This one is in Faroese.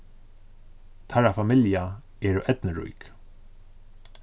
teirra familja eru eydnurík